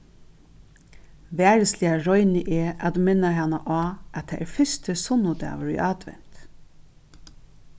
varisliga royni eg at minna hana á at tað er fyrsti sunnudagur í advent